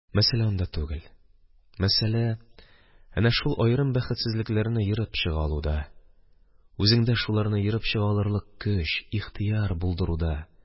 Мәсьәлә анда түгел, мәсьәлә әнә шул аерым бәхетсезлекләрне ерып чыга алуда, үзеңдә шуларны ерып чыга алырлык көч, ихтыяр булдыруда.